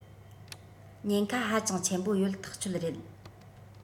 ཉེན ཁ ཧ ཅང ཆེན པོ ཡོད ཐག ཆོད རེད